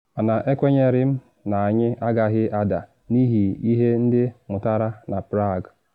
Mana ekwenyere m na anyị agaghị ada, n’ihi ihe ndị mụtara na Prague.